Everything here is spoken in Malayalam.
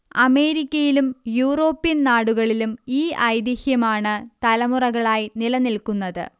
അമേരിക്കയിലും യൂറോപ്യൻ നാടുകളിലും ഈ ഐതിഹ്യമാണ് തലമുറകളായി നിലനിൽക്കുന്നത്